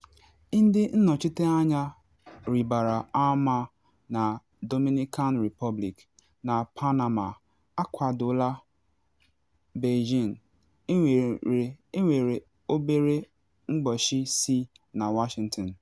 Ndị nnọchite anya rịbara ama na Dominican Republic na Panama akwadola Beijing, enwere obere mgbochi si na Washington.